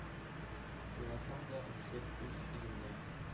Еласам да үксеп, үз илемнең